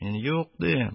Мин: -Юк, дим,